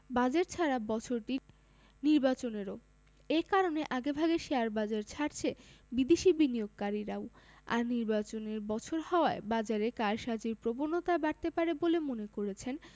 budget ছাড়া বছরটি নির্বাচনেরও এ কারণে আগেভাগে শেয়ারবাজার ছাড়ছে বিদেশি বিনিয়োগকারীরাও আর নির্বাচনের বছর হওয়ায় বাজারে কারসাজির প্রবণতা বাড়তে পারে বলে মনে করছেন